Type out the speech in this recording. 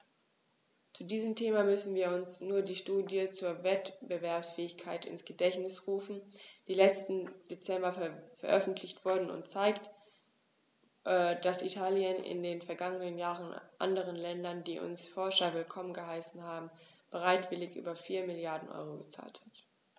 Zu diesem Thema müssen wir uns nur die Studie zur Wettbewerbsfähigkeit ins Gedächtnis rufen, die letzten Dezember veröffentlicht wurde und zeigt, dass Italien in den vergangenen Jahren anderen Ländern, die unsere Forscher willkommen geheißen haben, bereitwillig über 4 Mrd. EUR gezahlt hat.